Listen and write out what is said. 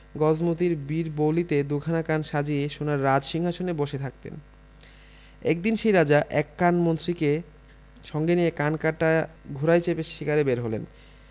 গজমোতির বীরবৌলিতে দুখানা কান সাজিয়ে সোনার রাজসিংহাসনে বসে থাকতেন একদিন সেই রাজা এক কান মন্ত্রীকে সঙ্গে নিয়ে কানকাটা ঘোড়ায় চেপে শিকারে বার হলেন